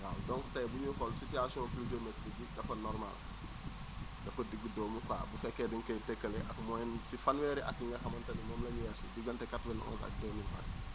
waaw donc tey bu ñuy xool situation pluviomètrique bi dafa normale dafa diggudóomu quoi bu fekkee dañu koy tëkkale ak moyenne si fanweeri at yi nga xamante ni moom la ñu weesu diggante 91 ak 2020